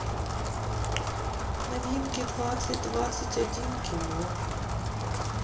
новинки двадцать двадцать один кино